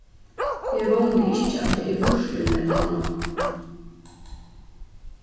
eg vóni ikki at tað er burtur med alla